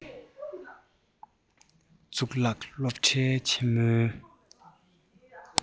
གཙུག ལག སློབ གྲྭའི ཆེན མོའི